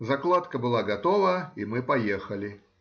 Закладка была готова, и мы поехали.